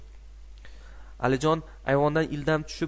alijon ayvondan ildam tushib